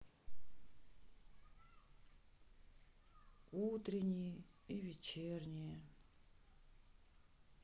утренние и вечерние